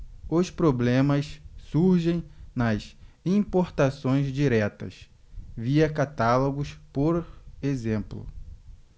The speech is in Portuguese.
os problemas surgem nas importações diretas via catálogos por exemplo